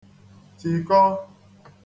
tìkọ